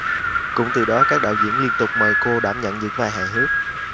cũng từ đó các đạo diễn liên tục mời cô đảm nhận những vai hài hước